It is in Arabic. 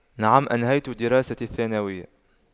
نعم أنهيت دراستي الثانوية